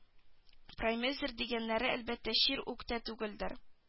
Праймериз дигәннәре әлбәттә чир үк тә түгелдер